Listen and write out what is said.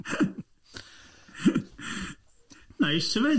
Neis yfyd!